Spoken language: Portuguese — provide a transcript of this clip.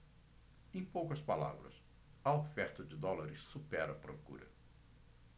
em poucas palavras a oferta de dólares supera a procura